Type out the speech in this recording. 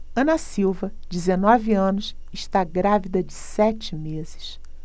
ana silva dezenove anos está grávida de sete meses